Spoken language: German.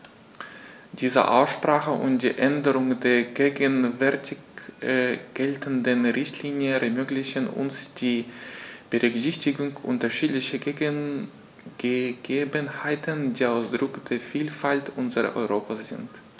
Diese Aussprache und die Änderung der gegenwärtig geltenden Richtlinie ermöglichen uns die Berücksichtigung unterschiedlicher Gegebenheiten, die Ausdruck der Vielfalt unseres Europas sind.